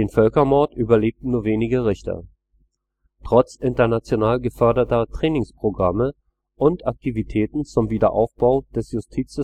Völkermord überlebten nur wenige Richter. Trotz international geförderter Trainingsprogramme und Aktivitäten zum Wiederaufbau des Justizsystems